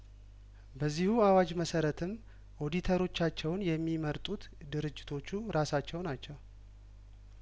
በዚሁ አዋጅ መሰረትም ኦዲተሮቻቸውን የሚመርጡት ድርጅቶቹ ራሳቸው ናቸው